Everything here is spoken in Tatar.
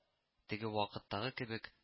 Теге вакыттагы кебек